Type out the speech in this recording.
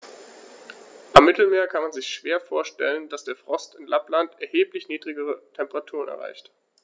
Am Mittelmeer kann man sich schwer vorstellen, dass der Frost in Lappland erheblich niedrigere Temperaturen erreicht.